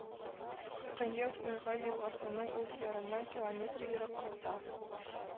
Көньяк Уньга елгасының уң ярыннан километр ераклыкта